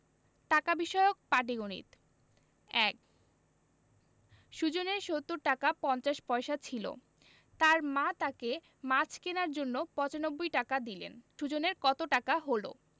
টাকা বিষয়ক পাটিগনিতঃ ১ সুজনের ৭০ টাকা ৫০ পয়সা ছিল তার মা তাকে মাছ কেনার জন্য ৯৫ টাকা দিলেন সুজনের কত টাকা হলো